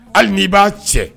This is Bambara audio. Hali ni'i b'a cɛ